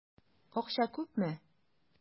Акча күпме?